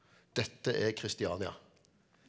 dette er Christiania.